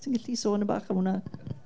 Ti'n gallu sôn dipyn bach am hwnna?